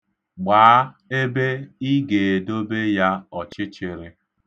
Gbaa ebe ị ga-edobe ya ọchịchịrị.